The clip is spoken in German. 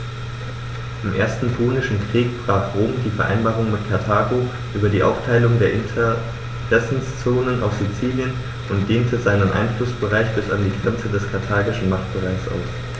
Im Ersten Punischen Krieg brach Rom die Vereinbarung mit Karthago über die Aufteilung der Interessenzonen auf Sizilien und dehnte seinen Einflussbereich bis an die Grenze des karthagischen Machtbereichs aus.